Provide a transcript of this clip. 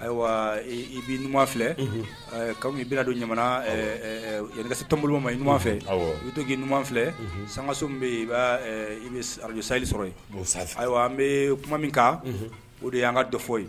ayiwa i bɛ ɲuman filɛ kabini bɛna donsion ma ɲumanuma fɛ i to'i ɲuman filɛ sankaso bɛ araj sayili sɔrɔ yen ayiwa an bɛ kuma min kan o de y'an ka dɔfɔ ye